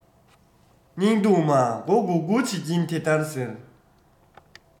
སྙིང སྡུག མ མགོ སྒུར སྒུར བྱེད ཀྱིན དེ ལྟར ཟེར